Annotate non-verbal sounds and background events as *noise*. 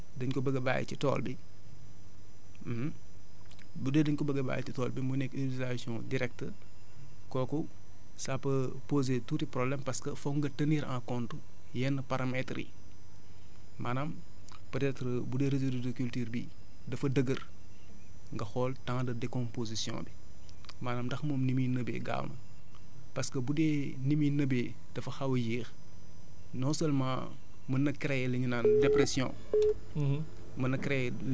dañ ko bëgg a bàyyi ci dañ ko bëgg a bàyyi ci tool bi *hesitation* *hesitation* *smacks lips* bu dee da nga ko bëgg a bàyyi ci tool bi mu nekk utilisation directe kooku ça a peut poser tuuti problème parce que foog nga tenir en compte yenn paramètres yi maanaam peut être bu dee résidus culture bi dafa dëgër nga xool temps de décomposition bi maanaam ndax moom ni muy nëbee gaaw na parce que bu dee ni muy nëbee dafa xaw a yéex non seulement mën na créer li ñu naan *noise* dépression *noise*